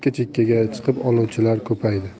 chekkaga chiqib oluvchilar ko'payadi